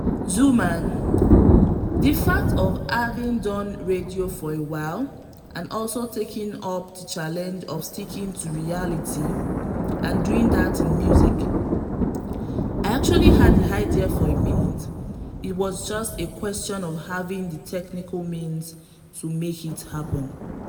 Xuman : The fact of having done radio for a while and also taking up the challenge of sticking to reality, and doing that in music… I actually had the idea for a minute, it was just a question of having the technical means to make it happen.